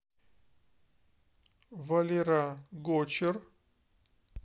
валера гочер